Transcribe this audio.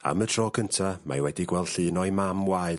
Am y tro cynta mae wedi gweld llun o'i mam waed...